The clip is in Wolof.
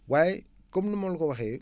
waaye comme ni ma la ko waxee